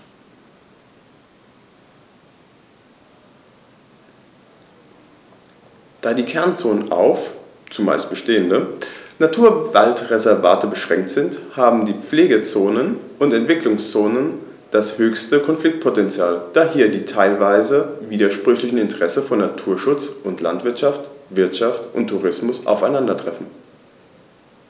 Da die Kernzonen auf – zumeist bestehende – Naturwaldreservate beschränkt sind, haben die Pflegezonen und Entwicklungszonen das höchste Konfliktpotential, da hier die teilweise widersprüchlichen Interessen von Naturschutz und Landwirtschaft, Wirtschaft und Tourismus aufeinandertreffen.